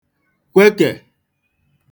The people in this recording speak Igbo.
kwekè